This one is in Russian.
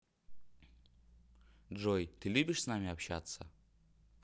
джой ты любишь с нами общаться